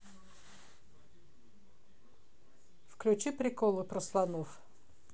включи приколы про слонов